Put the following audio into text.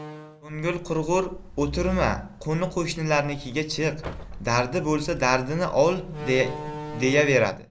ko'ngil qurg'ur o'tirma qo'ni qo'shnilarnikiga chiq dardi bo'lsa dardini ol deyaveradi